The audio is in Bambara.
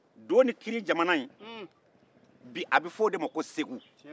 u ye bajɛ tigɛ ka na bawulen tigɛ ka u ɲɛsin ka taa u taara se do ni kiiri jamana kan